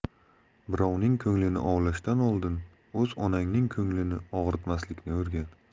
birovning ko'nglini ovlashdan oldin o'z onangning ko'nglini og'ritmaslikni o'rgan